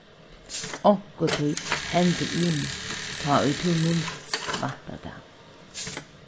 onkuntíð hendir ymiskt tá ið tú minst væntar tað